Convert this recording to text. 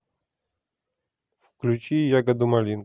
включи ягодку малинку